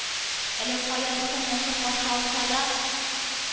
Әллә каян исәнләшеп каршы алса да,